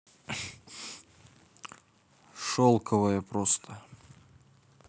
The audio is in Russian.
шелковое просто